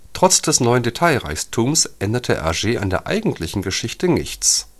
Trotz des neuen Detailreichtums änderte Hergé an der eigentlichen Geschichte nichts